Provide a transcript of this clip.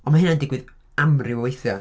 Ond mae hynna'n digwydd amryw o weithiau.